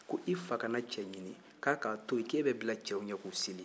ko i fa ka na cɛ ɲinin k'a ka to yen k'e bɛ bila cɛw ɲɛ